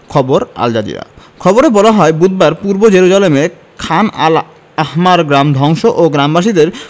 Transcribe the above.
খবর Al Jazeera খবরে বলা হয় বুধবার পূর্ব জেরুজালেমের খান আল আহমার গ্রাম ধ্বংস ও গ্রামবাসীদের